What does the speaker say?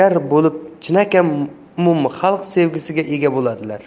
langar bo'lib chinakam umumxalq sevgisiga ega bo'ladilar